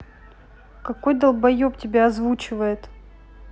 какой долбоеб тебя озвучивает